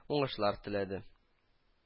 Уңышлар теләде